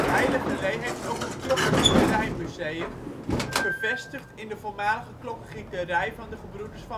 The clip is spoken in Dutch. Heiligerlee heeft ook een klokkengieterijmuseum, gevestigd in de voormalige klokkengieterij van de gebroeders